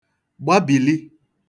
gbabìli